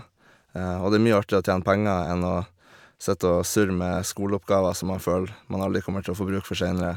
Og det er mye artigere å tjene penger enn å sitte og surre med skoleoppgaver som man føler man aldri kommer til å få bruk for seinere.